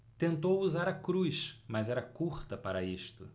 tentou usar a cruz mas era curta para isto